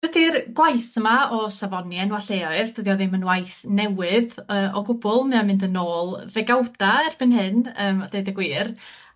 Dydi'r gwaith 'ma o safoni enwa' lleoedd, dydi o ddim yn waith newydd yy o gwbwl, mae o'n mynd yn ôl ddegawda erbyn hyn yym a deud y gwir